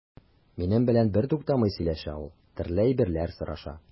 Минем белән бертуктамый сөйләшә ул, төрле әйберләр сораша.